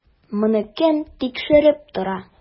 Моны кем тикшереп тора?